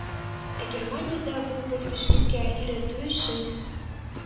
Ә германиядә бу белгечлеккә өйрәтү өчен